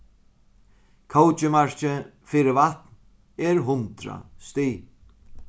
kókimarkið fyri vatn er hundrað stig